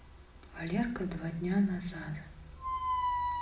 валерка два дня назад